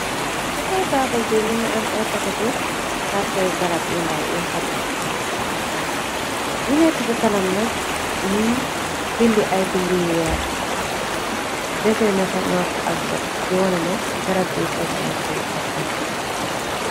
Ci kaw taabal bi mun ngi am ay paketi kàrtung garab yindaw. Yin fatek yi nekk ci kanam nak ñiñ bindi ay bind yi weex desey nafa nopp ak bot di woneh ne garab yi faj nopp la ak bot.